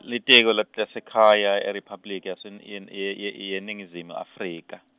Litiko letasekhaya IRiphabliki yasen- yen- ye- ye yeNingizimu Afrika.